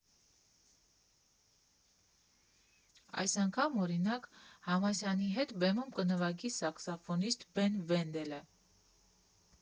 Այս անգամ, օրինակ, Համասյանի հետ բեմում կնվագի սաքսոֆոնիստ Բեն Վենդելը։